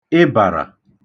ịbàrà